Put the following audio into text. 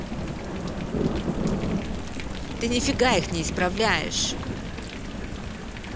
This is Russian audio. ты нифига их не исправляешь